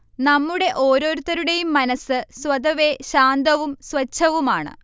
നമ്മുടെ ഓരോരുത്തരുടെയും മനസ്സ് സ്വതവേ ശാന്തവും സ്വഛവുമാണ്